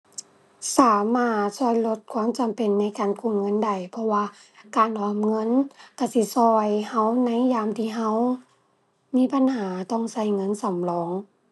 สามารถช่วยลดความจำเป็นในการกู้เงินได้ เพราะว่าการออมเงินช่วยสิช่วยช่วยในยามที่ช่วยมีปัญหา ต้องช่วยเงินสำรอง